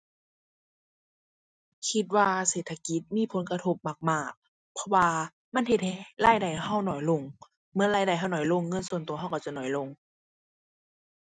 คิดว่าเศรษฐกิจมีผลกระทบมากมาก เพราะว่ามันเฮ็ดให้รายได้เราน้อยลง เหมือนรายได้เราน้อยลงเงินส่วนตัวเราเราจะน้อยลง